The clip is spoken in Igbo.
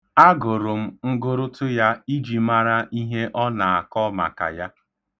Agụrụ m ngụrụtụ ya iji mara ihe ọ na-akọ maka ya.